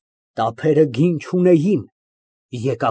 ՄԱՐԳԱՐԻՏ ֊ Այո։ ԲԱԳՐԱՏ ֊ Ի՞նչ է ասում նա այդ փաստաթղթերի դեմ։